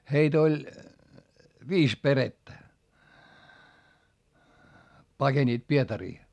heitä oli viisi perhettä pakenivat Pietariin